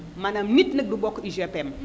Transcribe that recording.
maanaam nit nag du bokk UGPM